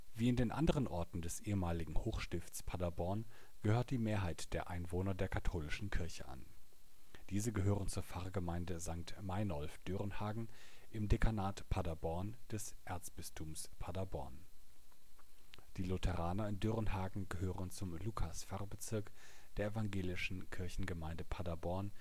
Wie in den anderen Orten des ehemaligen Hochstifts Paderborn gehört die Mehrheit der Einwohner der katholischen Kirche an. Diese gehören zur Pfarrgemeinde Sankt Meinolf Dörenhagen im Dekanat Paderborn des Erzbistums Paderborn. Die Lutheraner in Dörenhagen gehören zum Lukas-Pfarrbezirk der evangelischen Kirchengemeinde Paderborn